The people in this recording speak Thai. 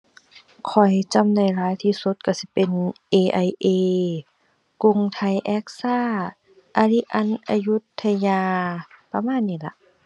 ข้อยจำได้หลายที่สุดก็สิเป็น AIA Krungthai-AXA Allianz Ayudhya ประมาณนี้ล่ะ